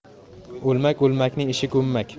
o'lmak o'lmakning ishi ko'mmak